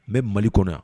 N bɛ Mali kɔnɔ yan